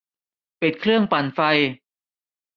ปิดเครื่องปั่นไฟ